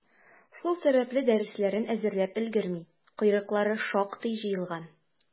Шул сәбәпле, дәресләрен әзерләп өлгерми, «койрыклары» шактый җыелган.